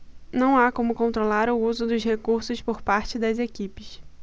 não há como controlar o uso dos recursos por parte das equipes